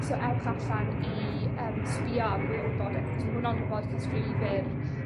So ewch allan i yym sbïo ar fwy o wybodeth 'cos ma' hwn yn ryw bodcast rili fyr